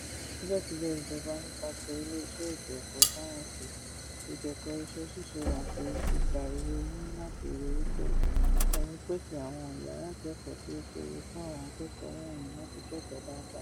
Síbẹ̀síbẹ̀, ìjọba nípasẹ̀ Ilé Iṣẹ́ Ètò Ẹ̀kọ́, Sáyẹ́ǹsì, Ìkẹ́kọ̀ọ́ Iṣẹ́-ṣíṣe àti Ìgbà Èwe ní láti ríi wípé òun pèsè àwọn yàrá ìkẹ́kọ̀ọ́ tí ó péye fún àwọn akẹ́kọ̀ọ́ wọ̀nyí láti kẹ́kọ̀ọ́ dáadáa.